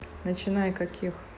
начинай каких